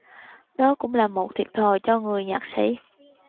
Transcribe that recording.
đó cũng là một thiệt thòi cho người nhạc sĩ